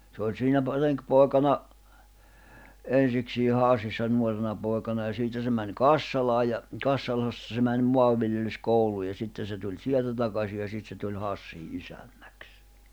se oli siinä - renkipoikana ensiksi Hassissa nuorena poikana ja siitä se meni Kassalaan ja Kassalasta se meni maanviljelyskouluun ja sitten se tuli sieltä takaisin ja sitten se tuli Hassiin isännäksi